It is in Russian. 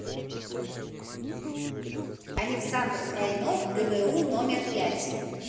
александр крайнов гбу номер пять